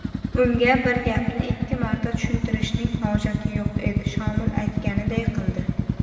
unga bir gapni ikki marta tushuntirishning hojati yo'q edi shomil aytganiday qildi